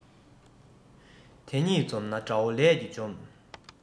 དེ གཉིས འཛོམས ན དགྲ བོ ལས ཀྱིས འཇོམས